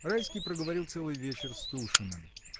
Райский проговорил целый вечер с Тушиным.